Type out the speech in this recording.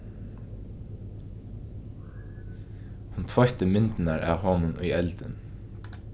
hon tveitti myndirnar av honum í eldin